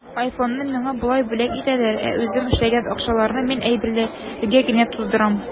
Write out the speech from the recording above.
Айфонны миңа болай бүләк итәләр, ә үзем эшләгән акчаларны мин әйберләргә генә туздырам.